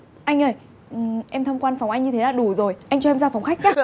anh ơi em em tham quan phòng anh như thế là đủ rồi anh cho em ra phòng khách nhớ